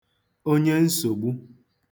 onye nsògbu